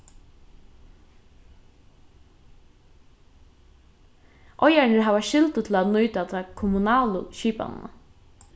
eigararnir hava skyldu til at nýta ta kommunalu skipanina